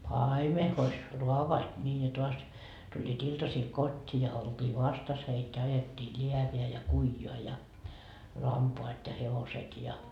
paimen hoiti raavaat niin ja taas tulivat iltasilla kotiin ja oltiin vastassa heitä ja ajettiin läävään ja kujaan ja lampaat ja hevoset ja